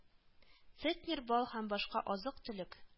Центнер бал һәм башка азык-төлек